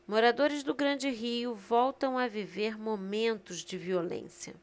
moradores do grande rio voltam a viver momentos de violência